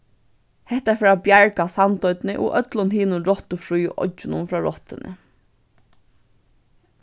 hetta fer at bjarga sandoynni og øllum hinum rottufríu oyggjunum frá rottuni